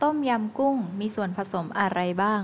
ต้มยำกุ้งมีส่วนผสมอะไรบ้าง